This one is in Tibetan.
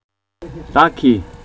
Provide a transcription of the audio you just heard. བདག གིས